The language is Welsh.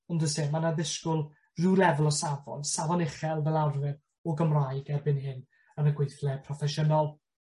on'd o's e? Ma' 'na ddishgwl ryw lefel o safon, safon uchel fel arfer o Gymraeg erbyn hyn yn y gweithle proffesiynol.